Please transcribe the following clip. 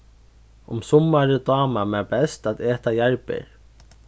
um summarið dámar mær best at eta jarðber